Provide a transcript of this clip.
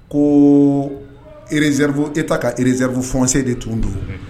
Ko erezerifu e ta ka rezepfu fɔsɛ de tun don